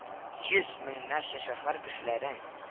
Йөз меңнәрчә шәһәр кешеләрен